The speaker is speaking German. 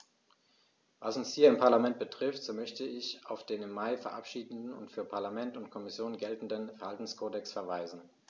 Was uns hier im Parlament betrifft, so möchte ich auf den im Mai verabschiedeten und für Parlament und Kommission geltenden Verhaltenskodex verweisen.